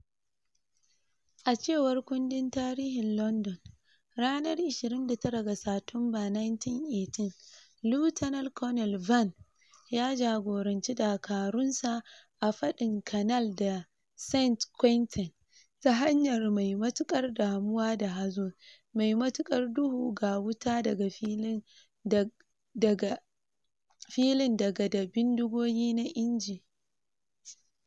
Daga bisani sai ya haura zuwa layin harbi tare "mafi girma jarumta" wanda ya jagorancin gaban layin kafin ya fakaito da bindigar -fili shi kadai kuma ya durkusa runduna uku.